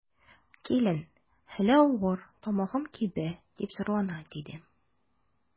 Килен: хәле авыр, тамагым кибә, дип зарлана, диде.